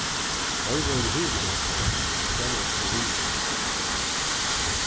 teir vóru hirðmenn hansara og kærastu vinir